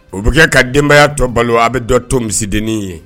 O bɛ kɛ ka denbayaya balo, a bɛ dɔ to misidennin ye.